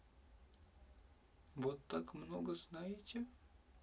вот так много знаете